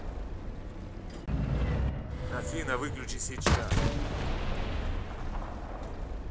афина выключи сейчас